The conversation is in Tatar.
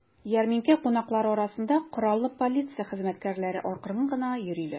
Ярминкә кунаклары арасында кораллы полиция хезмәткәрләре акрын гына йөриләр.